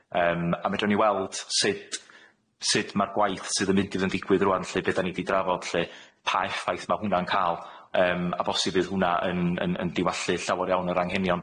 Yym, a medrwn ni weld sut sud ma'r gwaith sydd yn mynd i fod yn digwydd rŵan lly, be' 'dan ni 'di drafod lly, pa effaith ma' hwnna'n ca'l, yym a bosib fydd hwn'na yn yn yn diwallu llawar iawn o'r anghenion.